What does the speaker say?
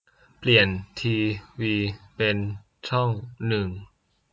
เปลี่ยนทีวีเป็นช่องหนึ่ง